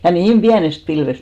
ja niin pienestä pilvestä